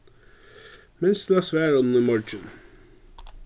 minst til at svara honum í morgin